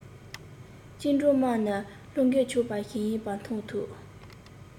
བཅིངས འགྲོལ དམག ནི བློས འགེལ ཆོག པ ཞིག ཡིན པ མཐོང ཐུབ